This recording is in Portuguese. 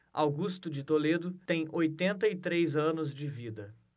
augusto de toledo tem oitenta e três anos de vida